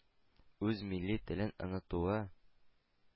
Үз милли телен онытуы,